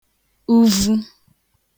uvu